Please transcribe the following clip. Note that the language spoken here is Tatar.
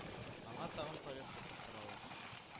Аңа тагын повестка тоттыралар